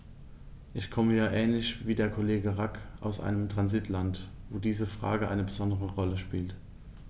Ich komme ja ähnlich wie der Kollege Rack aus einem Transitland, wo diese Frage eine besondere Rolle spielt.